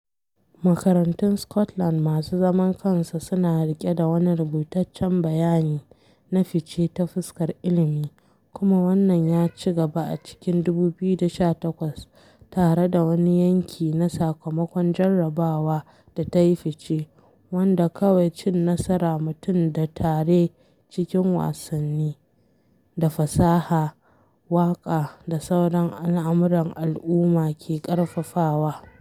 Makarantun Scotland masu zaman kansu suna riƙe da wani rubutaccen bayani na fice ta fuskar ilmi, kuma wannan ya ci gaba a cikin 2018 tare da wani yanki na sakamakon jarrabawa da ta yi fice, wanda kawai cin nasara mutum da ta tare cikin wasanni, da fasaha, waƙa da sauran al’amuran al’umma ke ƙarfafawa.